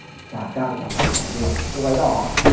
chả cao chả thấp chả vừa cô váy đỏ